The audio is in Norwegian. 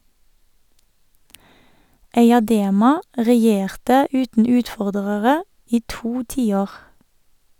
Eyadema regjerte uten utfordrere i to tiår.